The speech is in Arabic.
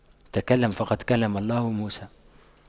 تكلم فقد كلم الله موسى